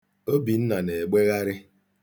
Obinna na-egbegharị